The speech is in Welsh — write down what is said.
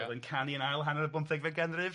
o'dd yn canu yn ail hanner y bymthegfed ganrif.